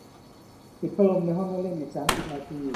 ปิดพัดลมในห้องนั่งเล่นอีกสามสิบนาที